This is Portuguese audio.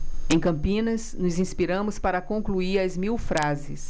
em campinas nos inspiramos para concluir as mil frases